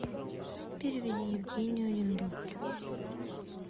переведи евгению один рубль